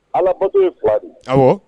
Allah bato ye 2 de ye.